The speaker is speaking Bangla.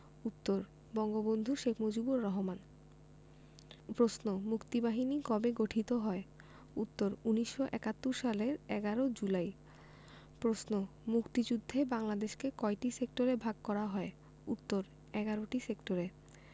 উত্তর বঙ্গবন্ধু শেখ মুজিবুর রহমান প্রশ্ন মুক্তিবাহিনী কবে গঠিত হয় উত্তর ১৯৭১ সালের ১১ জুলাই প্রশ্ন মুক্তিযুদ্ধে বাংলাদেশকে কয়টি সেক্টরে ভাগ করা হয় উত্তর ১১টি সেক্টরে